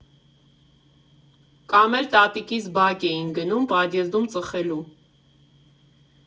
Կամ էլ տատիկիս բակ էինք գնում՝ պադյեզդում ծխելու։